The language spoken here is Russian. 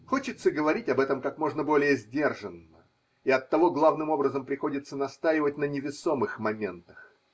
Хочется говорить об этом как можно более сдержанно, и оттого главным образом приходится настаивать на невесомых моментах.